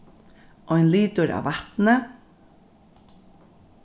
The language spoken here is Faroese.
ein litur av vatni